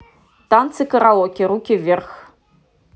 танцы караоке руки вверх